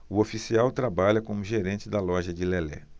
o oficial trabalha como gerente da loja de lelé